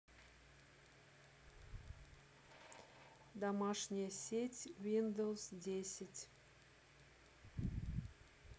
домашняя сеть windows десять